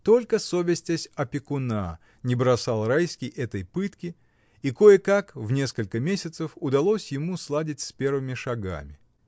Только совестясь опекуна не бросал Райский этой пытки, и кое-как в несколько месяцев удалось ему сладить с первыми шагами.